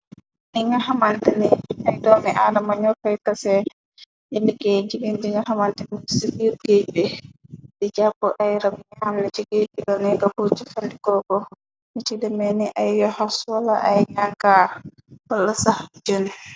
Ni nga xamant ni ay doomi aadama ñoo foy kase yemigéey jigen di ña xamante n ci birgj be di jàpp ay rab ni amna ci géej birone ka burc fandikooko ni ci demee ni ay yoxas wala ay ñankaar pal sax jun.